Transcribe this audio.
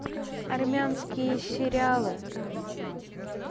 армянские сериалы